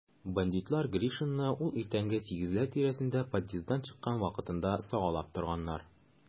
Бандитлар Гришинны ул иртәнге сигезләр тирәсендә подъезддан чыккан вакытында сагалап торганнар.